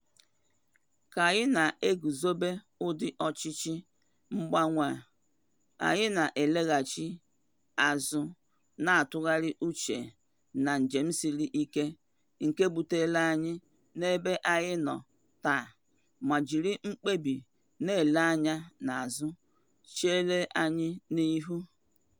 Ka anyị na-eguzobe ụdị ọchịchị mgbanwe a, anyị na-eleghachị azu na ntụgharị uche na njem siri ike nke butere anyị n'ebe anyị nọ taa, ma jiri mkpebi na-ele anya n'ụzọ chere anyị ihu.